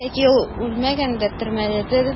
Яки ул үлмәгәндер, төрмәдәдер?